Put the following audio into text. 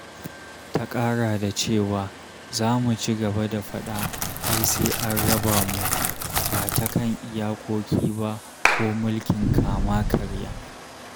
Ta ƙara da cewa: '' Za mu ci gaba da faɗa har sai an raba mu, ba ta kan iyakoki ba ko mulkin kama-karya.